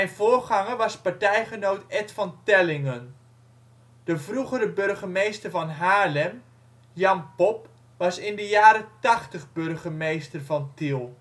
voorganger was partijgenoot Ed van Tellingen. De vroegere burgemeester van Haarlem, Jaap Pop was in de jaren tachtig burgemeester van Tiel